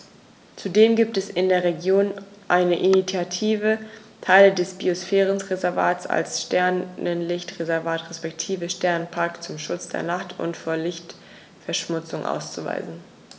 Zudem gibt es in der Region eine Initiative, Teile des Biosphärenreservats als Sternenlicht-Reservat respektive Sternenpark zum Schutz der Nacht und vor Lichtverschmutzung auszuweisen.